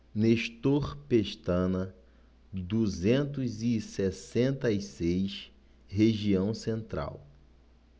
nestor pestana duzentos e sessenta e seis região central